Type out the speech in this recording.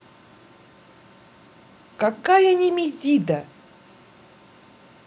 какая немезида